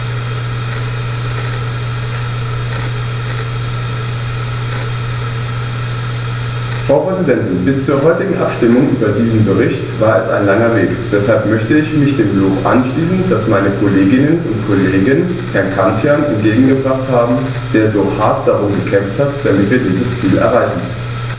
Frau Präsidentin, bis zur heutigen Abstimmung über diesen Bericht war es ein langer Weg, deshalb möchte ich mich dem Lob anschließen, das meine Kolleginnen und Kollegen Herrn Cancian entgegengebracht haben, der so hart darum gekämpft hat, damit wir dieses Ziel erreichen.